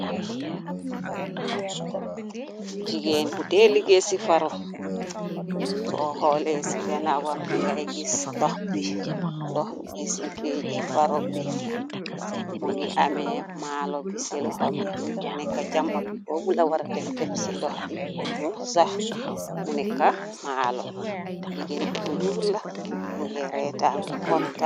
jigeen bute liggée ci faro soo xoolee ci gana wam de ngay gis ndox bi ndox nay siggée ji faro bi mu ngi amee malo bi se loxo mi lul mo neka jama bi bo bula wara dem def ci ndox bippor mu sax mu neka malo jigéen buu yuula bug reetam conta.